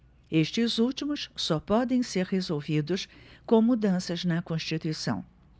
estes últimos só podem ser resolvidos com mudanças na constituição